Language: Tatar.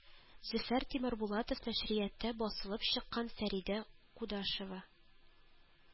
Зөфәр Тимербулатов нәшриятта басылып чыккан Фәридә Кудашева